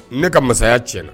Ne ka masaya tiɲɛna